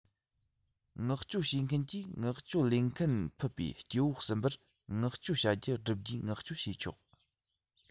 མངགས བཅོལ བྱེད མཁན གྱིས མངགས བཅོལ ལེན མཁན ཕུད པའི སྐྱེ བོ གསུམ པར མངགས བཅོལ བྱ བ བསྒྲུབ རྒྱུའི མངགས བཅོལ བྱས ཆོག